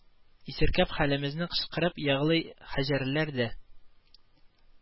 Исеркәб хәлемезне кычкырып егълый хәҗәрләр дә